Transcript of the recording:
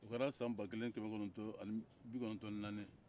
o kɛra san ba kelen ani kɛmɛ kɔnɔntɔ ni bikɔnɔntɔ ni naani